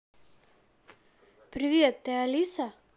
привет ты алиса